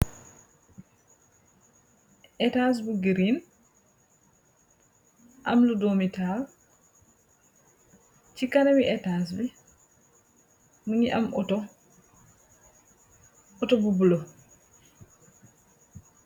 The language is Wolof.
Etaaz bu "green",am lu doomi taal. Ci kanami etaas bi, mungi am otto, Otto bu bulo.